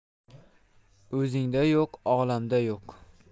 o'zingda yo'q olamda yo'q